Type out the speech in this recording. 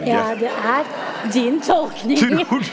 ja det er din tolkning .